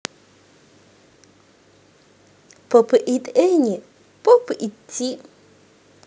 pop it annie поп идти